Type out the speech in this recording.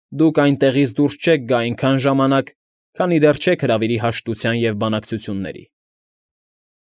Դուք այնտեղից դուրս չեք գա այնքան ժամանակ, քանի դեռ չեք հրավիրի հաշտության և բանակցությունների։